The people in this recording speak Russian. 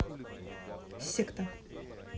секта